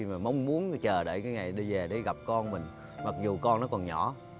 và mong muốn chờ đợi cái ngày đi về để gặp con mình mặc dù con nó còn nhỏ